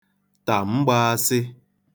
tà mgbāāsị̄